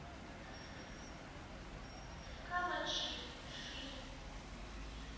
калачи фильм